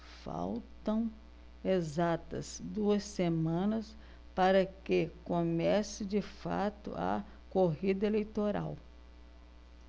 faltam exatas duas semanas para que comece de fato a corrida eleitoral